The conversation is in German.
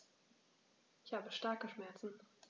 Ich habe starke Schmerzen.